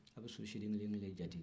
mɔgɔ bɛ so siden kelen-kelen jate